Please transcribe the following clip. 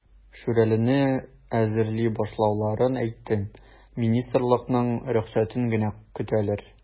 "шүрәле"не әзерли башлауларын әйтте, министрлыкның рөхсәтен генә көтәләр.